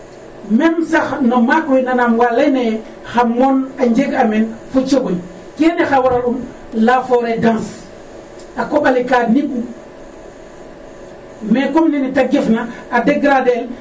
Méme sax no maak we nanaam wa layna ye xa moon a njeg'aayo meen fo cogoy kene xa waralun la foret danse A koƥ ale ka niɓ'u mais comme nene ta gefna a dégrader el